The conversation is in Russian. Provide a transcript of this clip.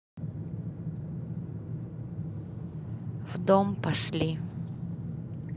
в дом пошли